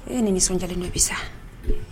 E ni nisɔndiya dɔ bɛ sa